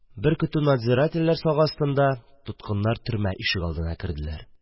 Бер көтү надзирательләр сагы астында тоткыннар төрмә ишегалдына керделәр.